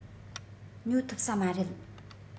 ཉོ ཐུབ ས མ རེད